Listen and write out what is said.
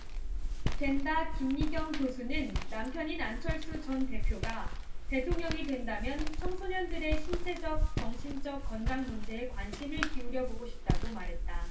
된다 김미경 교수는 남편인 안철수 전 대표가 대통령이 된다면 청소년들의 신체적 정신적 건강 문제에 관심을 기울여 보고 싶다고 말했다